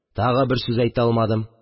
Тагы бер сүз әйтә алмадым